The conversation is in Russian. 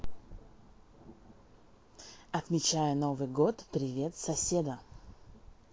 отмечая новый год привет соседа